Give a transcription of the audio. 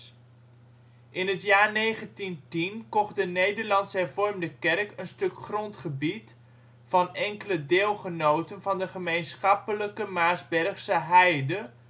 In het jaar 1910 kocht de Nederlandse Hervormde Kerk een stuk grondgebied van enkele deelgenoten van de gemeenschappelijke Maarsbergse heide